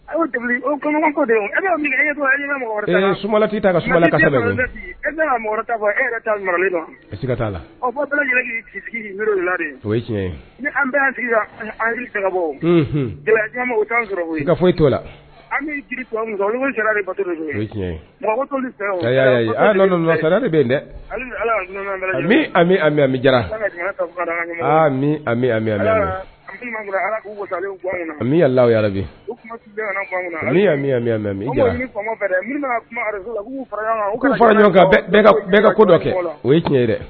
De bɛ yen dɛ ka ko dɔ kɛ o tiɲɛ dɛ